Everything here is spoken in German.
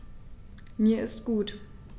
Mir ist gut.